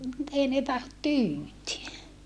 nyt ei ne tahdo tyytyä